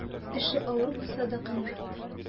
Эше авыр булса да канәгать.